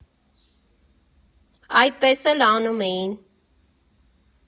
Այդպես էլ անում էին։